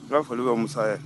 Fali bɛ musa ye